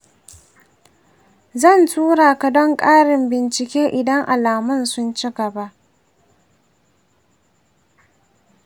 zan tura ka don ƙarin bincike idan alamun sun ci gaba.